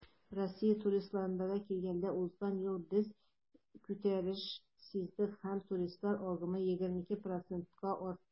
Россия туристларына килгәндә, узган ел без күтәрелеш сиздек һәм туристлар агымы 22 %-ка артты.